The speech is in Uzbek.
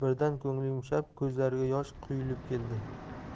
birdan ko'ngli yumshab ko'zlariga yosh quyilib keldi